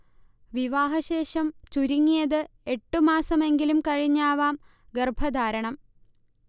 വിവാഹശേഷം ചുരുങ്ങിയത് എട്ട് മാസമെങ്കിലും കഴിഞ്ഞാവാം ഗർഭധാരണം